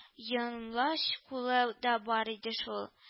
Йонлач кулы да бар иде шул